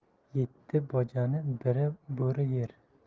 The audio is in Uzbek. yetti bojani bir bo'ri yer